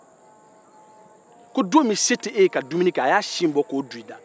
ko don min se tɛ e ye ka dumuni kɛ a y'a sin bɔ ka don i da